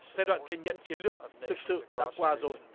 giai đoạn kiên nhẫn chiến lược thực sự đã qua rồi